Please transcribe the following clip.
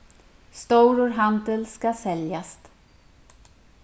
stórur handil skal seljast